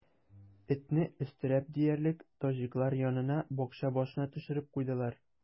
Этне, өстерәп диярлек, таҗиклар янына, бакча башына төшереп куйдылар.